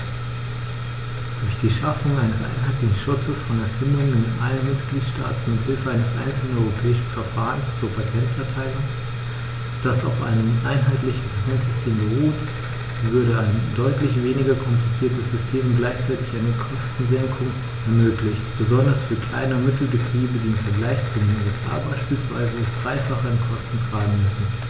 Durch die Schaffung eines einheitlichen Schutzes von Erfindungen in allen Mitgliedstaaten mit Hilfe eines einzelnen europäischen Verfahrens zur Patenterteilung, das auf einem einheitlichen Patentsystem beruht, würde ein deutlich weniger kompliziertes System und gleichzeitig eine Kostensenkung ermöglicht, besonders für Klein- und Mittelbetriebe, die im Vergleich zu den USA beispielsweise das dreifache an Kosten tragen müssen.